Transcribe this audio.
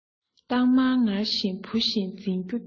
སྟག དམར ངར བཞིན བུ བཞིན འཛིན རྒྱུ འདི